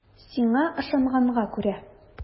Сиңа ышанганга күрә.